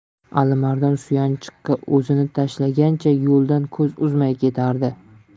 alimardon suyanchiqqa o'zini tashlagancha yo'ldan ko'z uzmay ketardi